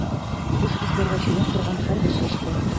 Хуш исләргә чумып торган һәрбер чәчкә.